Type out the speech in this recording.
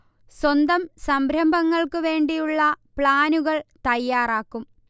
സ്വന്തം സംരംഭങ്ങൾക്ക് വേണ്ടി ഉള്ള പ്ലാനുകൾ തയ്യാറാക്കും